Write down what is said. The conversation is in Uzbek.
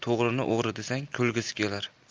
to'g'rini o'g'ri desang kulgisi kelar